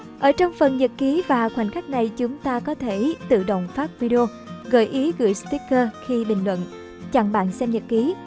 ở trong phần nhật ký và khoảnh khắc này chúng ta có thể tự động phát video gợi ý gửi sticker khi bình luận chặn bạn xem nhật ký